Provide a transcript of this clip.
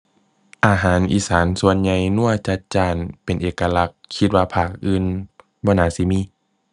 อาหารอีสานส่วนใหญ่ นัว จัดจ้าน เป็นเอกลักษณ์ คิดว่าภาคอื่นบ่น่าสิมี